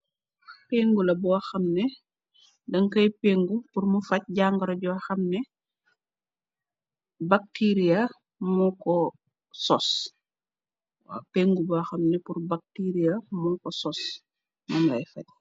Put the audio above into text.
Peengu la boo xam ne dañgkooy peengu nit pur mu fage jaangoro Joo xam ne, batiriya moo ko sos.